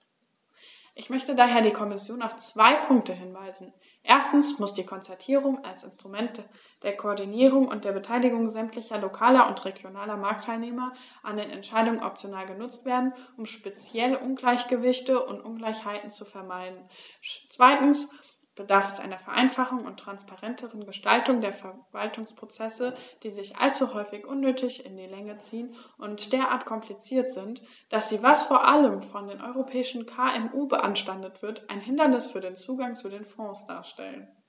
Ich möchte daher die Kommission auf zwei Punkte hinweisen: Erstens muss die Konzertierung als Instrument der Koordinierung und der Beteiligung sämtlicher lokaler und regionaler Marktteilnehmer an den Entscheidungen optimal genutzt werden, um speziell Ungleichgewichte und Ungleichheiten zu vermeiden; zweitens bedarf es einer Vereinfachung und transparenteren Gestaltung der Verwaltungsprozesse, die sich allzu häufig unnötig in die Länge ziehen und derart kompliziert sind, dass sie, was vor allem von den europäischen KMU beanstandet wird, ein Hindernis für den Zugang zu den Fonds darstellen.